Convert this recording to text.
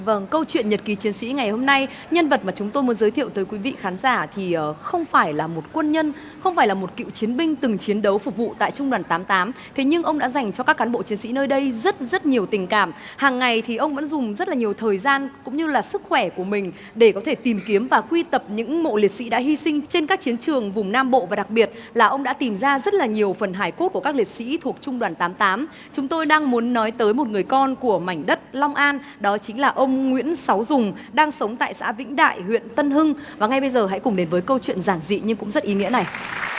vầng câu chuyện nhật ký chiến sĩ ngày hôm nay nhân vật mà chúng tôi muốn giới thiệu tới quý vị khán giả thì ờ không phải là một quân nhân không phải là một cựu chiến binh từng chiến đấu phục vụ tại trung đoàn tám tám thế nhưng ông đã dành cho các cán bộ chiến sĩ nơi đây rất rất nhiều tình cảm hằng ngày thì ông vẫn dùng rất là nhiều thời gian cũng như là sức khỏe của mình để có thể tìm kiếm và quy tập những mộ liệt sỹ đã hy sinh trên các chiến trường vùng nam bộ và đặc biệt là ông đã tìm ra rất là nhiều phần hài cốt của các liệt sỹ thuộc trung đoàn tám tám chúng tôi đang muốn nói tới một người con của mảnh đất long an đó chính là ông nguyễn sáu dùng đang sống tại xã vĩnh đại huyện tân hưng và ngay bây giờ hãy cùng đến với câu chuyện giản dị nhưng cũng rất ý nghĩa này